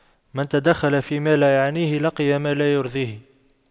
من تَدَخَّلَ فيما لا يعنيه لقي ما لا يرضيه